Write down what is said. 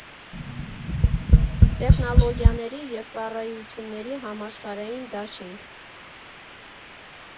Տեխնոլոգիաների և Ծառայությունների Համաշխարհային Դաշինք։